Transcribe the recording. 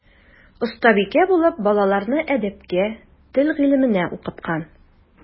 Остабикә булып балаларны әдәпкә, тел гыйлеменә укыткан.